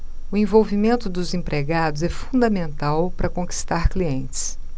o envolvimento dos empregados é fundamental para conquistar clientes